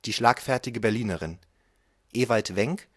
schlagfertige Berlinerin Ewald Wenck